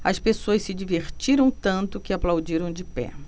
as pessoas se divertiram tanto que aplaudiram de pé